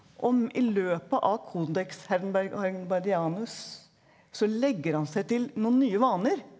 om i løpet av Codex Hardenbergianus så legger han seg til noen nye vaner.